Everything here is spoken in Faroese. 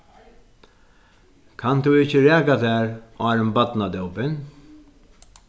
kann tú ikki raka tær áðrenn barnadópin